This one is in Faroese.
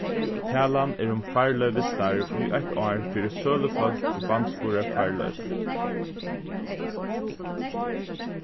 talan er um farloyvisstarv í eitt ár fyri sølufólk í barnsburðarfarloyvi